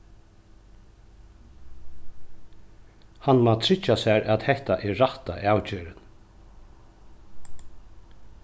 hann má tryggja sær at hetta er rætta avgerðin